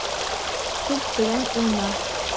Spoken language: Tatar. Туп белән уйна.